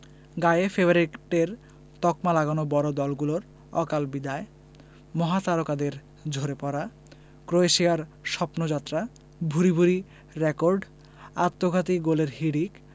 গায়ে ফেভারিটের তকমা লাগানো বড় দলগুলোর অকাল বিদায় মহাতারকাদের ঝরে পড়া ক্রোয়েশিয়ার স্বপ্নযাত্রা ভূরি ভূরি রেকর্ড আত্মঘাতী গোলের হিড়িক